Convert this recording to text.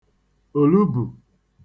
òlubù